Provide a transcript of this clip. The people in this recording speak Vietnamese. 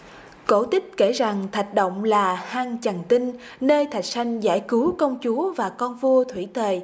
cổ tích kể rằng thạch động là hang chằn tinh nơi thạch sanh giải cứu công chúa và con vua thủy tề